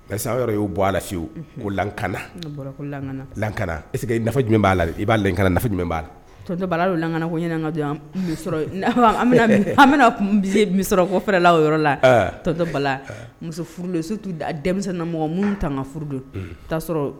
Parce aw yɔrɔ y'o bɔ a la ko lakana laana lakaana jumɛn b'a la i b'a lakka jumɛn' la tɔntɔ balala donlanana ko ɲka an bɛna sɔrɔ ko fɛrɛla o yɔrɔ latɔ bala furu su denmisɛnnin na mɔgɔ minnu tanga furu don' sɔrɔ